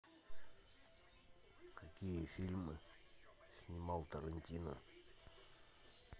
какие фильмы снимал тарантино